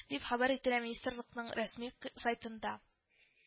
Дип хәбәр ителә министрлыкның рәсми сайтында